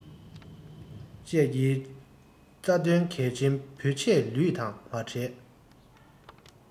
བཅས ཀྱི རྩ དོན གལ ཆེན བོད ཆས ལུས དང མ བྲལ